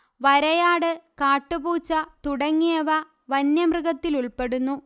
വരയാട് കാട്ടുപൂച്ച തുടങ്ങിയവ വന്യമൃഗത്തിലുൾപ്പെടുന്നു